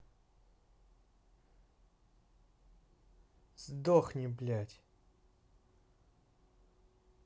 сдохни блядь